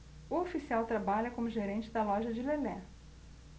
o oficial trabalha como gerente da loja de lelé